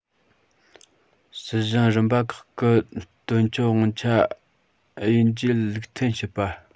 སྲིད གཞུང རིམ པ ཁག གི དོན གཅོད དབང ཆ དབྱེ འབྱེད ལུགས མཐུན བྱེད པ